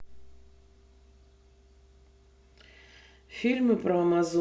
фильмы про амазонию